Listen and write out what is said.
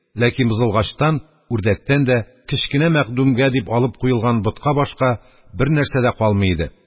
Ләкин, бозылгачтан, үрдәктән дә, кечкенә мәхдүмгә дип алып куелган ботка башка бернәрсә дә калмый иде.